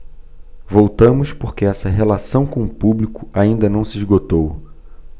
voltamos porque essa relação com o público ainda não se esgotou